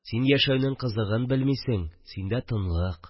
Син яшәүнең кызыгын белмисең, синдә тынлык